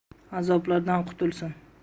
azoblardan qutulsin